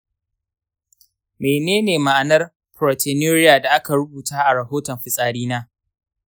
menene ma'anar proteinuria da aka rubuta a rahoton fitsarin na?